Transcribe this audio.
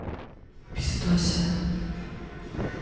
писдося